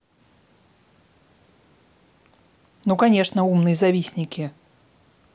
ну конечно умные завистники